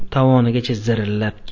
tovonigacha zirillab ketdi